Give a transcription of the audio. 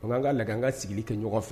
An kan ka la an ka sigi kɛ ɲɔgɔn fɛ